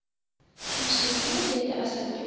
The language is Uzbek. tinchlikmi dedi asadbek